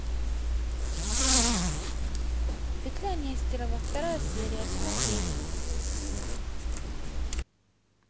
петля нестерова вторая серия смотреть